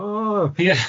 O. Ie.